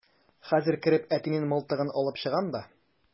Хәзер кереп әтинең мылтыгын алып чыгам да...